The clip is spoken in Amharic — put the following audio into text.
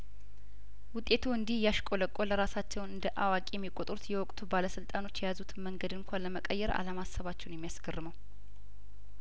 ውጤቱ እንዲህ እያሽቆለቆለ ራሳቸውን እንደአዋቂ የሚቆጥሩት የወቅቱ ባለስልጣኖች የያዙትን መንገድ እንኳን ለመቀየር አለማሰባቸው ነው የሚያስገርመው